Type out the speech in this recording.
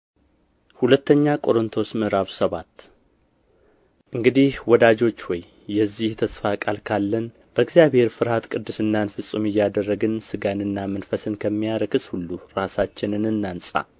ሁለተኛ ቆሮንቶስ ምዕራፍ ሰባት እንግዲህ ወዳጆች ሆይ የዚህ ተስፋ ቃል ካለን በእግዚአብሔር ፍርሃት ቅድስናን ፍጹም እያደረግን ሥጋንና መንፈስን ከሚያረክስ ሁሉ ራሳችንን እናንጻ